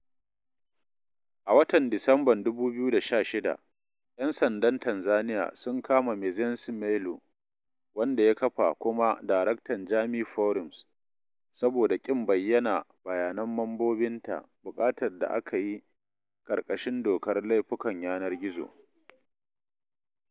A watan Disamban 2016, ‘yan sanda Tanzaniya sun kama Maxence Melo, wanda ya kafa kuma daraktan Jamii Forums, saboda ƙin bayyana bayanan mambobinta, buƙatar da aka yi ƙarƙashin Dokar Laifukan yanar gizo